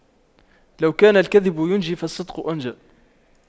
لو كان الكذب ينجي فالصدق أنجى